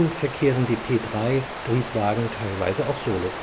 verkehren die P 3-Triebwagen teilweise auch solo